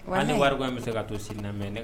Ni wari ko bɛ se ka toig mɛn